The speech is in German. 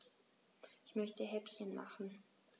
Ich möchte Häppchen machen.